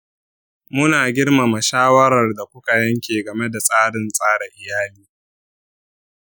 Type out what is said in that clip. muna girmama shawarar da kuka yanke game da tsarin tsara iyali.